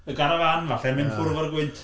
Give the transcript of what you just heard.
Y garafan falle'n mynd ffwrdd o'r gwynt.